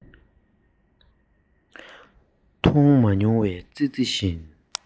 མཐོང མ མྱོང བའི ཙི ཙི བཞིན